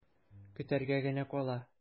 Көтәргә генә кала.